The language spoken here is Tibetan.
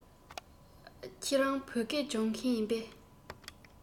ཁྱེད རང བོད སྐད སྦྱོང མཁན ཡིན པས